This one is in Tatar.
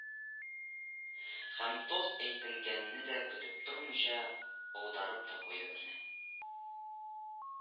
Һәм тост әйтелгәнне дә көтеп тормыйча, аударып та куйды берне